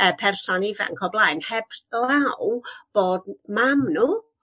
y person ifanc o blaen heb law bod m- mam n'w